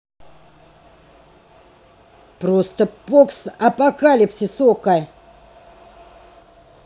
просто постапокалипсис okko